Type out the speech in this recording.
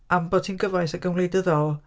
Am bod hi'n gyfoes ac yn wleidyddol...